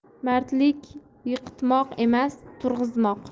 mardlik yiqitmoq emas turg'izmoq